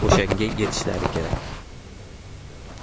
o'shanga yetishlari kerak